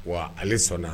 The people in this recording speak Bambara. Wa ale sɔnna